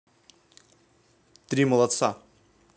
три молодца